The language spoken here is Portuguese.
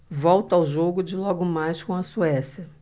volto ao jogo de logo mais com a suécia